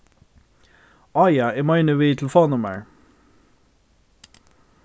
áh ja eg meini við telefonnummarið